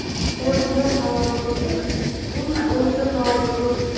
so'zi nodurustning o'zi nodurust